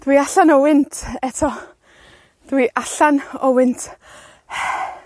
Dwi allan o wynt eto. Dwi allan o wynt.